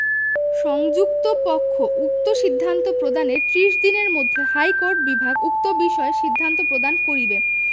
সংযুক্ত পক্ষ উক্ত সিদ্ধান্ত প্রদানের ত্রিশ দিনের মধ্যে হাইকোর্ট বিভাগ উক্ত বিষয়ে সিদ্ধান্ত প্রদান করিবে